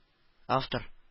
Автор